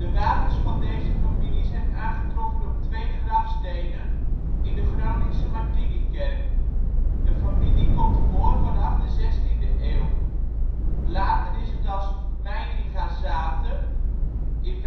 wapens van deze familie zijn aangetroffen op twee grafstenen in de Groningse Martinikerk. De familie komt voor vanaf de 16e eeuw. Later is het als Meiningazate (1591